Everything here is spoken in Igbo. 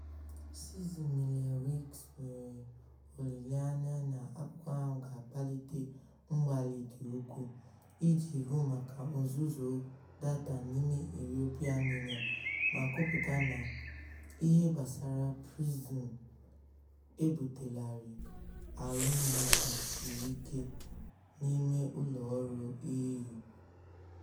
Szymielewicz nwere olileanya na akụkọ ahụ ga-akpalite mgbalị dị ukwuu iji hụ maka nzuzo data n'ime European Union, ma kwupụta na "ihe gbasara PRISM" ebutelarịị "arụmụka siri ike" n'ime ụlọọrụ EU.